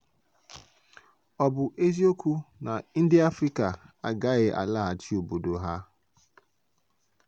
Ọ bụ eziokwu na ndị Afrịka agaghị alaghachi obodo ha?